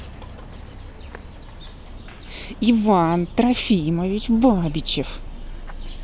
иван трофимович бабичев